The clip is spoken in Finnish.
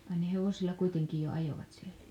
ai ne hevosella kuitenkin jo ajoivat siellä